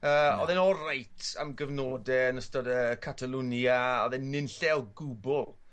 Yy odd e'n oreit am gyfnode yn ystod y Catalwnia a odd e nunlle o gwbwl